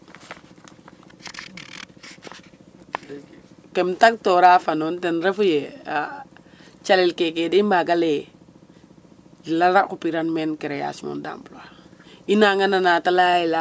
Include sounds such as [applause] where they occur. [noise] Keem tagatoora fa nuun ten refu ye [hesitation] calel keke de i mbaaga lay ee dara xupiran men création d emploi i nanga nannaa ta layaa ye